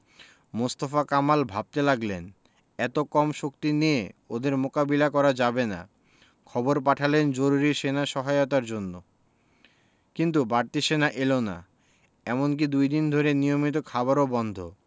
মোস্তফা কামাল ভাবতে লাগলেন এত কম শক্তি নিয়ে ওদের মোকাবিলা করা যাবে না খবর পাঠালেন জরুরি সেনা সহায়তার জন্য কিন্তু বাড়তি সেনা এলো না এমনকি দুই দিন ধরে নিয়মিত খাবারও বন্ধ